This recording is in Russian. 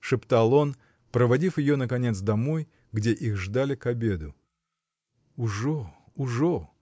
— шептал он, проводив ее, наконец, домой, где их ждали к обеду. — Ужо, ужо!